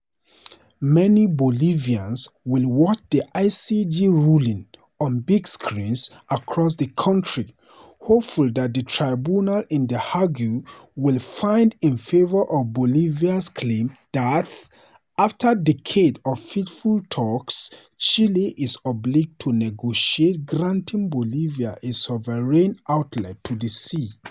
Many Bolivians will watch the ICJ ruling on big screens across the country, hopeful that the tribunal in The Hague will find in favor of Bolivia's claim that - after decades of fitful talks - Chile is obliged to negotiate granting Bolivia a sovereign outlet to the sea.